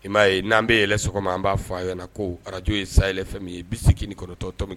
I m'a ye n'an bɛ yeɛlɛns an b'a fɔ a ɲɔgɔn na ko arajo ye saya ye fɛn min ye bi k' ni kɔrɔtɔ to min